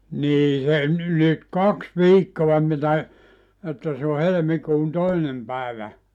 niin se nyt kaksi viikkoa mitä että se on helmikuun toinen päivä